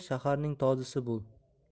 shaharning tozisi bo'l